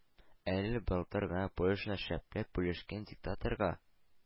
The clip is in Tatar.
Әле былтыр гына польшаны шәпләп бүлешкән диктаторга